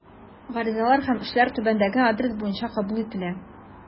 Гаризалар һәм эшләр түбәндәге адрес буенча кабул ителә.